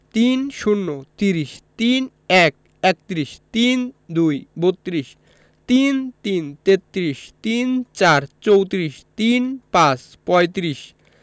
৩০ ত্রিশ ৩১ একত্রিশ ৩২ বত্ৰিশ ৩৩ তেত্রিশ ৩৪ চৌত্রিশ ৩৫ পঁয়ত্রিশ